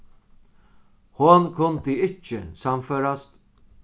hon kundi ikki sannførast